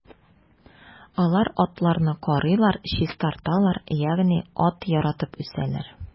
Алар атларны карыйлар, чистарталар, ягъни ат яратып үсәләр.